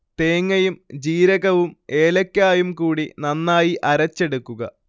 തേങ്ങയും ജീരകവും ഏലയ്ക്കായും കൂടി നന്നായി അരച്ചെടുക്കുക